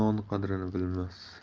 non qadrini bilmas